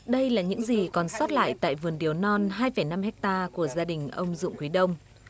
đây là những gì còn sót lại tại vườn điều non hai phẩy năm héc ta của gia đình ông dụng quý đông